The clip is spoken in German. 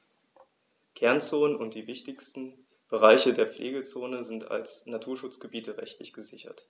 Kernzonen und die wichtigsten Bereiche der Pflegezone sind als Naturschutzgebiete rechtlich gesichert.